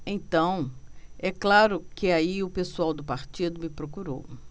então é claro que aí o pessoal do partido me procurou